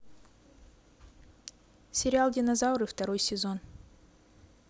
сериал динозавры второй сезон